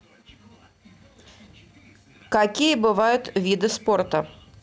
какие бывают виды спорта